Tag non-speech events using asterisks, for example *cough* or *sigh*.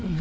*hesitation* *hesitation*